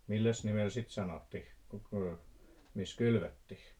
milläs nimellä sitten sanottiin kun - missä kylvettiin